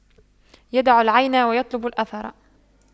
يدع العين ويطلب الأثر